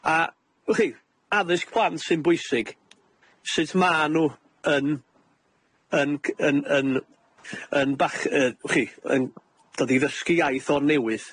A w'ch chi, addysg plant sy'n bwysig. Sut ma' nw yn yn g- yn yn yn bach- yy w'ch chi, yn dod i ddysgu iaith o'r newydd.